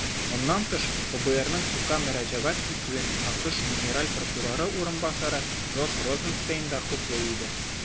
Моннан тыш, ФБРның судка мөрәҗәгать итүен АКШ генераль прокуроры урынбасары Род Розенстейн да хуплый иде.